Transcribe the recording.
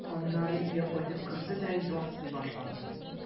Аннары өйгә кайтып керде дә ярсый башлады.